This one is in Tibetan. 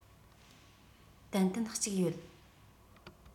ཏན ཏན གཅིག ཡོད